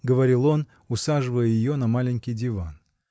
— говорил он, усаживая ее на маленький диван.